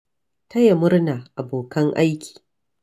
Taya murna abokan aiki